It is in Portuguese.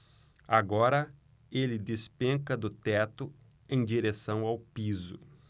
agora ele despenca do teto em direção ao piso